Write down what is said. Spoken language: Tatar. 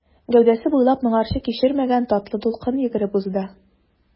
Гәүдәсе буйлап моңарчы кичермәгән татлы дулкын йөгереп узды.